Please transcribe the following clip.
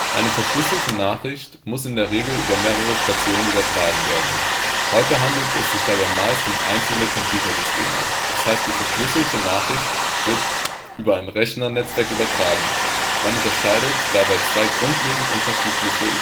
Eine verschlüsselte Nachricht muss in der Regel über mehrere Stationen übertragen werden. Heute handelt es sich dabei meist um einzelne Computersysteme, das heißt die verschlüsselte Nachricht wird über ein Rechnernetzwerk übertragen. Man unterscheidet dabei zwei grundlegend unterschiedliche